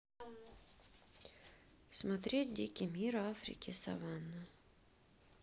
смотреть дикий мир африки саванна